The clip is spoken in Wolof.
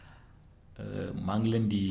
maa ngi leen di